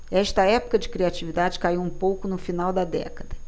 esta época de criatividade caiu um pouco no final da década